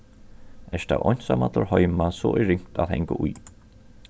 ert tú einsamallur heima so er ringt at hanga í